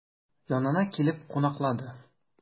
Янына килеп кунаклады.